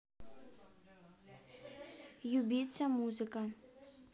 ибица музыка